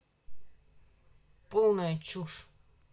полная чушь